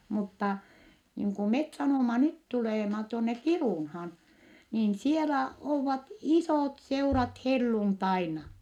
mutta niin kuin me sanomme nyt tulemme tuonne Kiirunaan niin siellä ovat isotseurat helluntaina